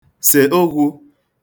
sè okwu